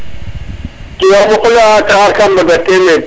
jegam xa qola xa taxar ka mbada temeen